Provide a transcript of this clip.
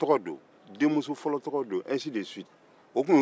denkɛ fɔlɔ tɔgɔ don denmuso fɔlɔ tɔgɔ don